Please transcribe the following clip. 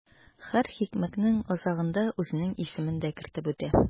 Һәр хикмәтнең азагында үзенең исемен дә кертеп үтә.